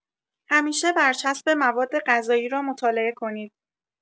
همیشه برچسب موادغذایی را مطالعه کنید.